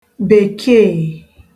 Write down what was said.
Bèkeè